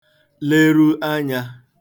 leru anyā